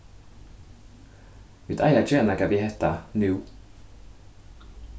vit eiga at gera nakað við hetta nú